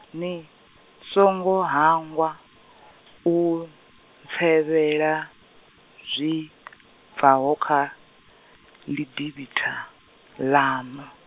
ni, songo hangwa, u ntsevhela, zwi , bvaho, kha ḽidivhitha, ḽaṋu.